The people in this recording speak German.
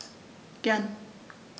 Gern.